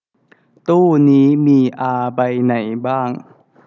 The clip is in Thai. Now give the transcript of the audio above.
ตู้นี้มีอาใบไหนบ้าง